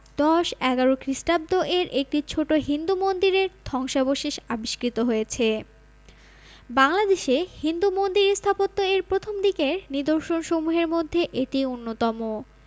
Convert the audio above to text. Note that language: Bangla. দশ এগারো খ্রিস্টাব্দ এর একটি ছোট হিন্দু মন্দিরের ধ্বংশাবশেষ আবিষ্কৃত হয়েছে বাংলাদেশে হিন্দু মন্দির স্থাপত্য এর প্রথমদিকের নিদর্শনসমূহের মধ্যে এটি অন্যতম